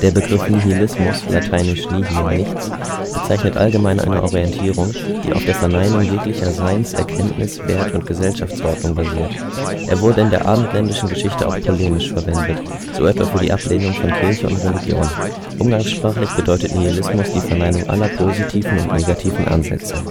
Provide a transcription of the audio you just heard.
Begriff Nihilismus (lat. nihil –„ nichts “) bezeichnet allgemein eine Orientierung, die auf der Verneinung jeglicher Seins -, Erkenntnis -, Wert - und Gesellschaftsordnung basiert. Er wurde in der abendländischen Geschichte auch polemisch verwendet, so etwa für die Ablehnung von Kirche und Religion. Umgangssprachlich bedeutet Nihilismus die Verneinung aller positiven und negativen Ansätze